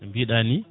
no mbiɗa ni